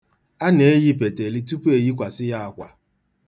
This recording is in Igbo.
A na-eyi peteli tupu eyikwasị ya akwa.